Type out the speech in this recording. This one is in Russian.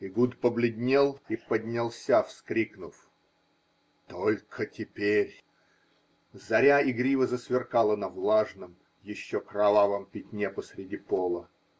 Эгуд побледнел и поднялся, вскрикнув: "Только теперь!" Заря игриво засверкала на влажном, еще кровавом пятне посреди пола.